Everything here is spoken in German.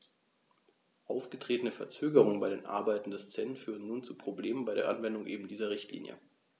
Aufgetretene Verzögerungen bei den Arbeiten des CEN führen nun zu Problemen bei der Anwendung eben dieser Richtlinie.